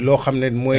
loo xam ne mooy